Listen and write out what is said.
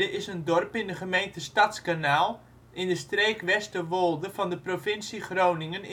is een dorp in de gemeente Stadskanaal in de streek Westerwolde van de provincie Groningen